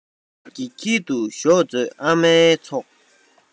ཐུགས ཀྱི དཀྱིལ དུ ཞོག མཛོད ཨ མའི ཚོགས